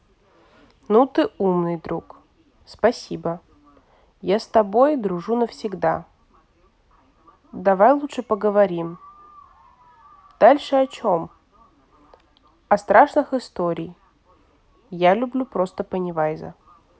ну ты умный друг спасибо я с тобой дружу навсегда давай лучше поговорим дальше о чем о страшных историй я люблю просто пеннивайза